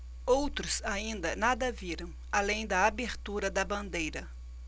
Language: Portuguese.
outros ainda nada viram além da abertura da bandeira